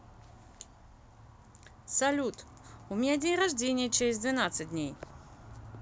салют у меня день рождения через двенадцать дней